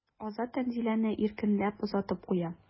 Азат Тәнзиләне иркенләп озатып куя.